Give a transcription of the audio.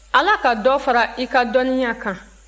ala ka dɔ fara i ka dɔnniya kan